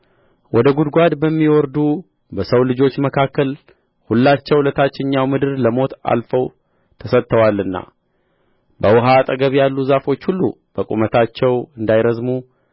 ወደ ጕድጓድ በሚወርዱ በሰው ልጆች መካከል ሁላቸው ለታችኛው ምድር ለሞት አልፈው ተሰጥተዋልና በውኃ አጠገብ ያሉ ዛፎች ሁሉ በቁመታቸው እንዳይረዝሙ